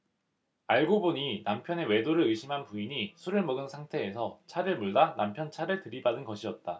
알고 보니 남편의 외도를 의심한 부인이 술을 먹은 상태에서 차를 몰다 남편 차를 들이받은 것이었다